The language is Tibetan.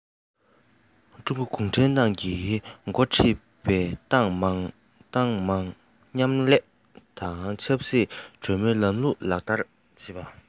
ཀྲུང གོ གུང ཁྲན ཏང གིས འགོ ཁྲིད པའི ཏང མང མཉམ ལས དང ཆབ སྲིད གྲོས མོལ ལམ ལུགས ལག ལེན བསྟར བ